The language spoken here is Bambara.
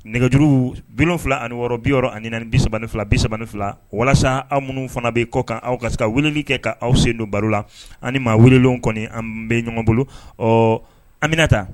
Nɛgɛjuru 76 64 32 32 walasa aw minnu fana bɛ kɔkan aw ka sE ka weleli kɛ ka aw sen don baro la, ani maa welelenw kɔni an bɛ ɲɔgɔn bolo ɔ Aminata